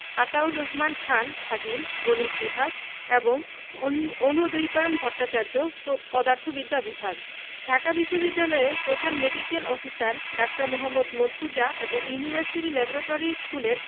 আতাউর রহমান খান খাদিম গণিত বিভাগ এবং অনুদ্বৈপায়ন ভট্টাচার্য পদার্থবিদ্যা বিভাগ ঢাকা বিশ্ববিদ্যালয়ের প্রধান মেডিক্যাল অফিসার ডা. মোহাম্মদ মর্তুজা এবং ইউনিভার্সিটি ল্যাবরেটরি স্কুলের